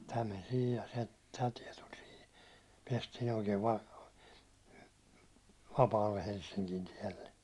tämä meni siihen ja se tämä tie tuli siihen päästiin oikein - vapaalle Helsingin tielle